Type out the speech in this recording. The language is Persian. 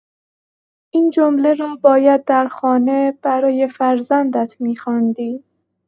این جمله را باید در خانه برای فرزندت می‌خواندی!